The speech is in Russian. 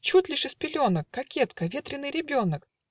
Чуть лишь из пеленок, Кокетка, ветреный ребенок!